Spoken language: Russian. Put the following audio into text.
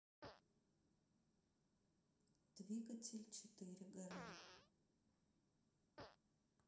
двигатель четыре гр